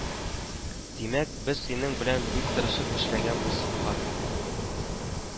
Димәк, без синең белән бик тырышып эшләгәнбез, факт